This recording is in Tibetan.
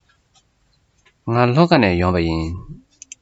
ང ལྷོ ཁ ནས ཡོང པ ཡིན